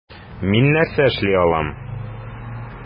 Мин нәрсә эшли алам?